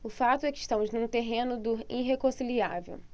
o fato é que estamos no terreno do irreconciliável